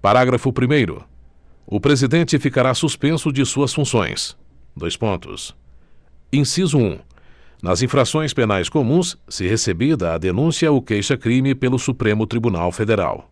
parágrafo primeiro o presidente ficará suspenso de suas funções dois pontos inciso um nas infrações penais comuns se recebida a denúncia ou queixa crime pelo supremo tribunal federal